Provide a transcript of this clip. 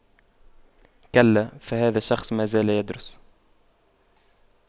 كلا فهذا الشخص ما زال يدرس